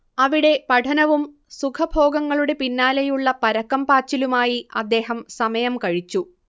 അവിടെ പഠനവും സുഖഭോഗങ്ങളുടെ പിന്നാലെയുള്ള പരക്കം പാച്ചിലുമായി അദ്ദേഹം സമയം കഴിച്ചു